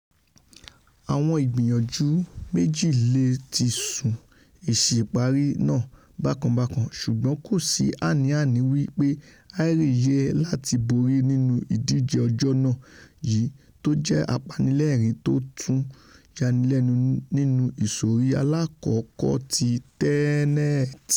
Awọn ìgbìyànjú ìgbẹ̀yìn méjì leè ti sún èsì ìpari náà bákan-bákan, ṣùgbọ́n kòsí àni-àní wí pé Ayr yẹ láti borí nínú ìdíje ọjọ́ náà yìí tójẹ́ apanilẹ́ẹ̀rín tótún yanilẹ́nu nínú Ìṣọ̀rí Aláàkọ́kọ́ ti Tennent.